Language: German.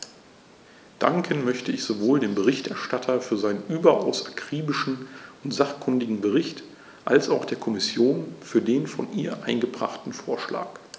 Danken möchte ich sowohl dem Berichterstatter für seinen überaus akribischen und sachkundigen Bericht als auch der Kommission für den von ihr eingebrachten Vorschlag.